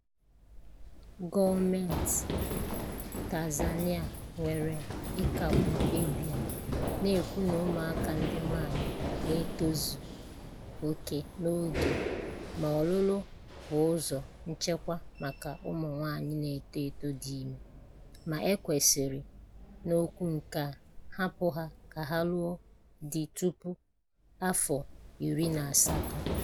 Gọọmentị Tanzania nwara ịkagbu mkpebi a, na-ekwu na ụmụaka ndị nwaanyị na-etozu oke n'oge ma ọlụlụ bụ ụzọ nchekwa maka ụmụ nwaanyị na-eto eto dị ime, ma e kwesịrị, n'okwu nke a, hapụ ha ka ha lụọ di tupu afọ 18.